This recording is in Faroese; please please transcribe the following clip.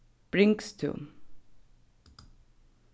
bringstún